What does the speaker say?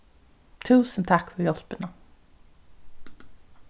túsund takk fyri hjálpina